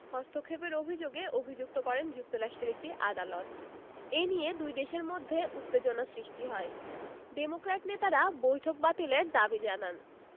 হস্তক্ষেপের অভিযোগে অভিযুক্ত করেন যুক্তরাষ্ট্রের একটি আদালত এ নিয়ে দুই দেশের মধ্যে উত্তেজনা সৃষ্টি হয় ডেমোক্র্যাট নেতারা বৈঠক বাতিলের দাবি জানান